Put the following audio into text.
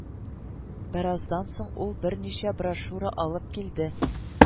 Бераздан соң ул берничә брошюра алып килде